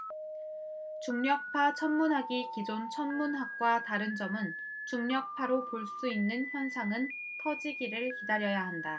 중력파 천문학이 기존 천문학과 다른 점은 중력파로 볼 수 있는 현상은 터지기를 기다려야 한다